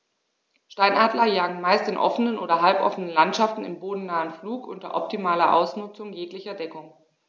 Steinadler jagen meist in offenen oder halboffenen Landschaften im bodennahen Flug unter optimaler Ausnutzung jeglicher Deckung.